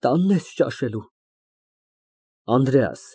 Տա՞նն ես ճաշելու։ ԱՆԴՐԵԱՍ ֊